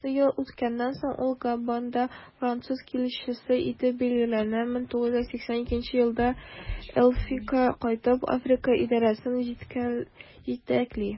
Алты ел үткәннән соң, ул Габонда француз илчесе итеп билгеләнә, 1982 елда Elf'ка кайтып, Африка идарәсен җитәкли.